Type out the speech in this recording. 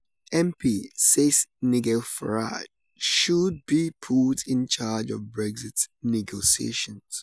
Tory MP says NIGEL FARAGE should be put in charge of Brexit negotiations